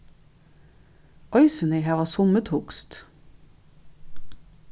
eisini hava summi týskt